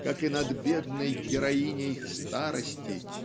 как и над бедной героиней "Старости"